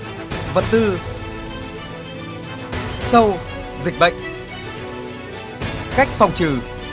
vật tư sâu dịch bệnh cách phòng trừ